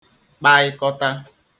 kpaịkọta